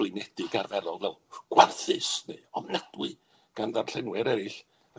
blinedig arferol fel gwarthus neu ofnadwy gan ddarllenwyr eryll.